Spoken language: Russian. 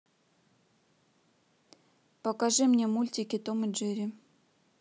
покажи мне мультики том и джерри